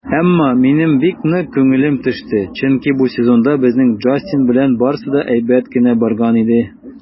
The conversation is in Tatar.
Әмма минем бик нык күңелем төште, чөнки бу сезонда безнең Джастин белән барысы да әйбәт кенә барган иде.